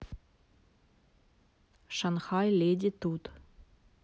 шанхай леди тут